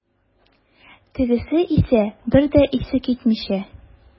Тегесе исә, бер дә исе китмичә.